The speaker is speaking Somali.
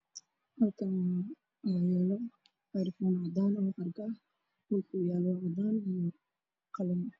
Halkaan waxaa yaalo erafoon cadaan ah oo xariga dhulka uu yaalo waa qalin.